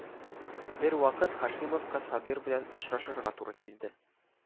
Бервакыт Һашимовка Сабир белән очрашырга туры килде